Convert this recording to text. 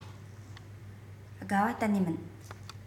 དགའ བ གཏན ནས མིན